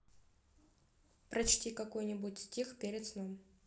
прочти какой нибудь стих перед сном